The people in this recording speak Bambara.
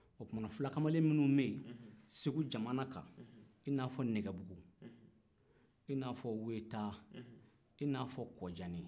o tumana fulakamalen minnu bɛ yen segu jamana kan inafɔ nɛgɛbugu inafɔ wetaa inafɔ kɔzani